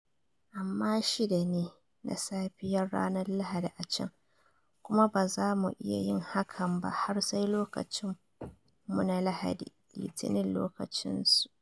"Amma shida ne na safiyar ranar Lahadi a can, kuma ba za mu iya yin hakan ba har sai lokacin mu na Lahadi, Litinin lokacin su.